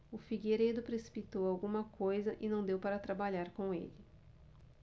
o figueiredo precipitou alguma coisa e não deu para trabalhar com ele